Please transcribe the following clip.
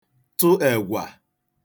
tụ ẹ̀gwà